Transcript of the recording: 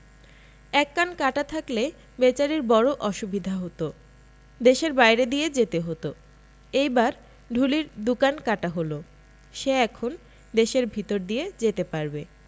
এক কান কাটা থাকলে বেচারির বড়ো অসুবিধা হতদেশের বাইরে দিয়ে যেতে হত এইবার ঢুলির দু কান কাটা হলসে এখন দেশের ভিতর দিয়ে যেতে পারবে